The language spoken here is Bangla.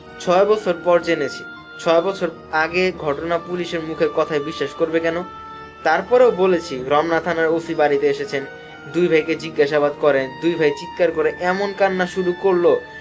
৬ বৎসর পর জেনেছি ছয় বছর আগের ঘটনা পুলিশ মুখের কথায় বিশ্বাস করবে কেন তারপরও বলেছি রমনা থানার ওসি বাড়িতে এসেছেন দুই ভাইকে জিজ্ঞাসাবাদ করেন দুই ভাই চিৎকার করে এমন কান্দা শুরু করল